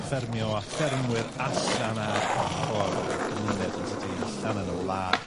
ffermio a ffermwyr allan ar ochor y gymuned yntydi... Hmm. ...allan yn y wlad,